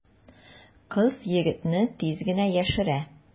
Кыз егетне тиз генә яшерә.